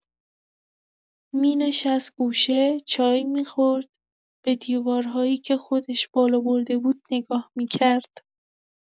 می‌نشست گوشه، چایی می‌خورد، به دیوارایی که خودش بالا برده بود نگاه می‌کرد.